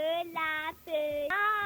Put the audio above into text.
We la